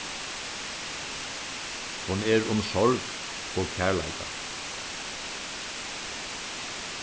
hon er um sorg og kærleika